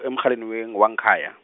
emrhaleni wen- wangekhaya.